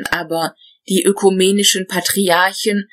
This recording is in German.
aber die Ökumenischen Patriarchen